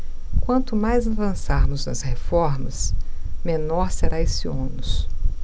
quanto mais avançarmos nas reformas menor será esse ônus